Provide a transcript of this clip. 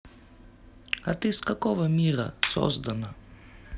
а ты с какого мира создана